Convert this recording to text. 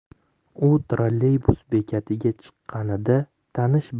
u trolleybus bekatiga chiqqanida tanish